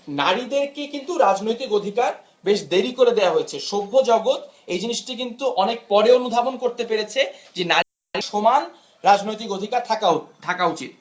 সমগ্র বিশ্বে নারীদেরকে কিন্তু রাজনৈতিক অধিকার বেশ দেরিতে দেয়া হয়েছে সভ্য জগত জিনিসটি কিন্তু অনেক পরে অনুধাবন করতে পেরেছে যে নারীদের ও সমান রাজনৈতিক অধিকার থাকা উচিত